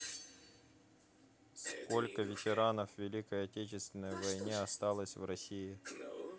сколько ветеранов великой отечественной войне осталось в россии